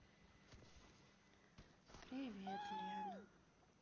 привет лена